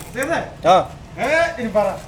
Sɛ i fa